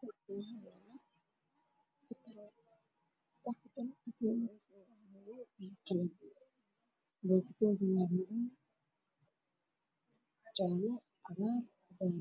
Waa tarmuuska sheekha lagu kariyo midabkiisa yahay madow baana